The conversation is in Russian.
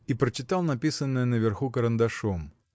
И прочитал написанное наверху карандашом